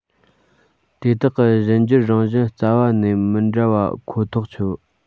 དེ དག གི གཞན འགྱུར རང བཞིན རྩ བ ནས མི འདྲ བ ཁོ ཐག ཆོད